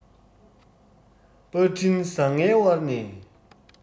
པར འཕྲིན བཟང ངན དབར ནས